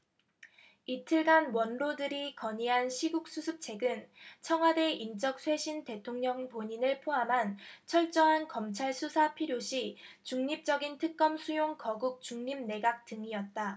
이틀간 원로들이 건의한 시국수습책은 청와대 인적 쇄신 대통령 본인을 포함한 철저한 검찰 수사 필요시 중립적인 특검 수용 거국중립내각 등이었다